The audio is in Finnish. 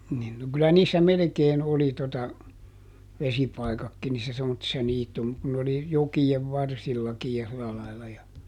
niin no kyllä niissä melkein oli tuota vesipaikatkin niissä semmoisissa - kun ne oli jokien varsillakin ja sillä lailla ja